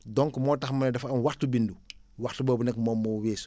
donc moo tax ma ne dafa am waxtu bindu waxtu boobu nag moom moo weesu